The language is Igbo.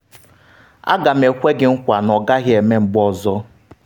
A ga m ekwe gị nkwa na ọ gaghị eme mgbe ọzọ.